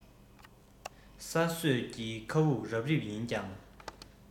ས སྲོད ཀྱི མཁའ དབུགས རབ རིབ ཡིན ཀྱང